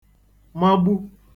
magbu